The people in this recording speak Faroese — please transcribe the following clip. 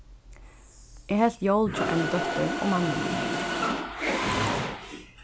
eg helt jól hjá eini dóttur og manninum